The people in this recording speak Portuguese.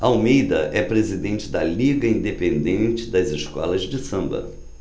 almeida é presidente da liga independente das escolas de samba